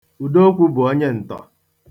Udokwu bụ onyeǹtọ̀.